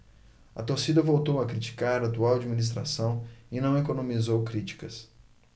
a torcida voltou a criticar a atual administração e não economizou críticas